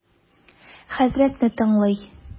Хәзрәтне тыңлый.